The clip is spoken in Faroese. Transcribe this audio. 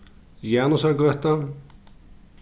janusargøta